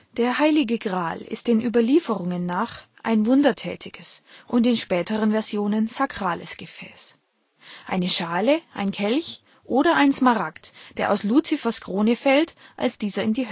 Der Heilige Gral ist den Überlieferungen nach ein wundertätiges und in späteren Versionen sakrales Gefäß, eine Schale, ein Kelch oder ein Smaragd, der aus Luzifers Krone fällt, als dieser in die